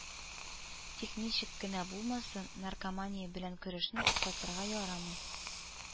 Тик ничек кенә булмасын, наркомания белән көрәшне туктатырга ярамый